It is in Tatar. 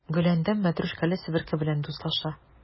Гөләндәм мәтрүшкәле себерке белән дуслаша.